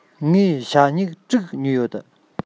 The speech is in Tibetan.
ངས ཞྭ སྨྱུག དྲུག ཉོས ཡོད